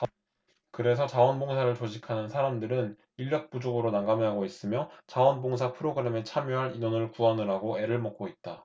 그래서 자원 봉사를 조직하는 사람들은 인력 부족으로 난감해하고 있으며 자원 봉사 프로그램에 참여할 인원을 구하느라고 애를 먹고 있다